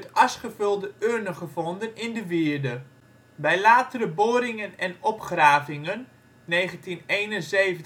as gevulde urnen gevonden in de wierde. Bij latere boringen en opgravingen (1971, 1982, 1997